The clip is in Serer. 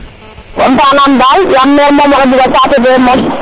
content nam dal yaam maire oxey buga saate fe mos